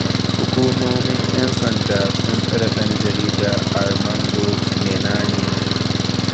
Hukumomin 'yan sanda sun tsare ɗan jarida Armando Nenane.